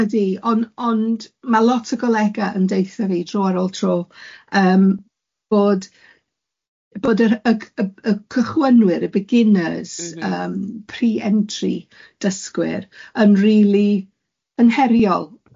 ydi ond ond ma' lot o golega yn deutha fi tro ar ôl tro yym bod bod yr yy y cychwynnwyr, y beginners... M-hm. yym pre-entry dysgwyr yn rili angheriol.